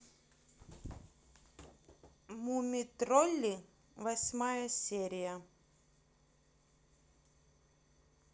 муми тролли восьмая серия